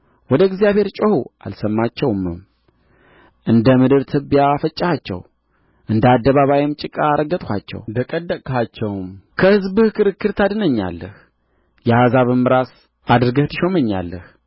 ወደ እግዚአብሔር ጮኹ አልሰማቸውምም እንደ ምድር ትቢያ ፈጨኋቸው እንደ አደባባይም ጭቃ ረገጥኋቸው ደቀደቅኋቸውም ከሕዝብ ክርክር ታድነኛለህ የአሕዛብም ራስ አድርገህ ትሾመኛለህ